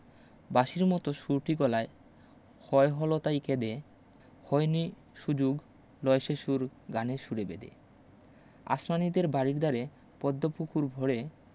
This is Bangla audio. বাঁশির মতো সুরটি গলায় ক্ষয় হল তাই কেঁদে হয়নি সুযুগ লয় সে সুর গানের সুরে বেঁধে আসমানীদের বাড়ির ধারে পদ্ম পুকুর ভরে